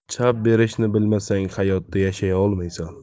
chap berishni bilmasang hayotda yashay olmaysan